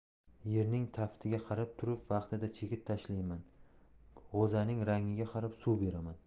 yerning taftiga qarab turib vaqtida chigit tashlayman g'o'zaning rangiga qarab suv beraman